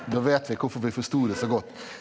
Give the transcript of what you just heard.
da vet vi hvorfor vi forsto det så godt.